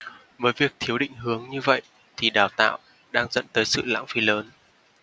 với việc thiếu định hướng như vậy thì đào tạo đang dẫn tới sự lãng phí lớn